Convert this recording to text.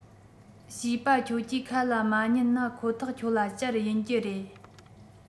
བྱིས པ ཁྱོད ཀྱིས ཁ ལ མ ཉན ན ཁོ ཐག ཁྱོད ལ གཅར ཡིན གྱི རེད